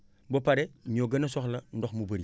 ba pare ñoo gën a soxla ndox mu bëri